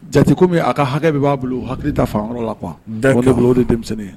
Jate kɔmi a ka hakɛ bɛɛ ba bolo hakili ta fan yɔrɔ la quoi. dd'accord o de ye denmisɛnnin ye